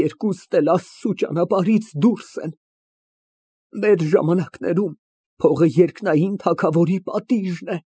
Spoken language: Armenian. Երկուսն էլ Աստծու ճանապարհից դուրս են։ Մեր ժամանակներում փողը երկնային թագավորի պատիժն է։